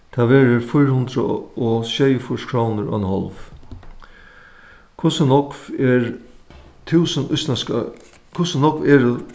tað verður fýra hundrað og og sjeyogfýrs krónur og ein hálv hvussu nógv er túsund íslendskar hvussu nógv eru